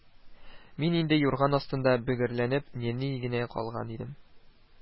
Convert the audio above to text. Мин инде юрган астында бөгәрләнеп, нәни генә калган идем